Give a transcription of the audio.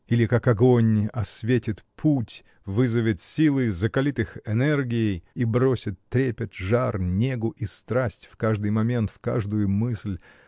Или, как огонь, осветит путь, вызовет силы, закалит их энергией и бросит трепет, жар, негу и страсть в каждый момент, в каждую мысль.